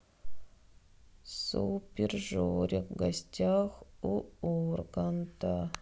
супер жорик в гостях у урганта